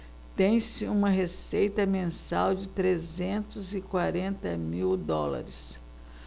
tem-se uma receita mensal de trezentos e quarenta mil dólares